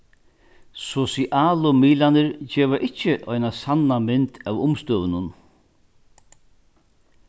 sosialu miðlarnir geva ikki eina sanna mynd av umstøðunum